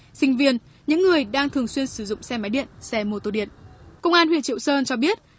sinh viên những người đang thường xuyên sử dụng xe máy điện xe mô tô điện công an huyện triệu sơn cho biết